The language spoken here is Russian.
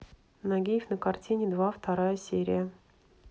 нагиев на карантине два вторая серия